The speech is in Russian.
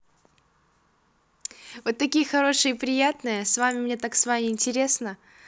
вот такие хорошие и приятные с вами мне так с вами интересно